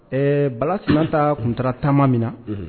Ɛɛ Bala Sinanta kun taara taama min na